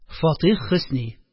Фатих Хөсни